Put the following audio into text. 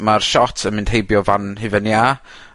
Ma'r shot yn mynd heibio fan hufen iâ,